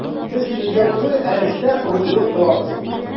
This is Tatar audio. Без сүздә түгел, ә эштә рухилык табабыз.